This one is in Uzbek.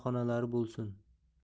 xo nalari bo'lsin